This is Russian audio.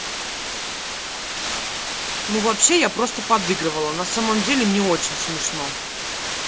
ну вообще я просто подыгрывала на самом деле не очень смешно